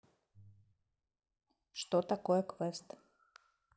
что такое квест